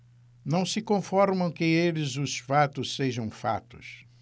não se conformam que eles os fatos sejam fatos